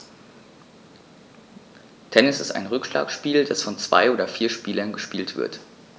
Tennis ist ein Rückschlagspiel, das von zwei oder vier Spielern gespielt wird.